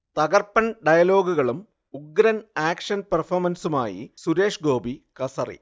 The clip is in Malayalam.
തകർപ്പൻ ഡയലോഗുകളും ഉഗ്രൻ ആക്ഷൻ പെർഫോമൻസുമായി സുരേഷ്ഗോപി കസറി